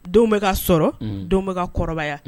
Don bɛ ka sɔrɔ denw bɛ ka kɔrɔbaya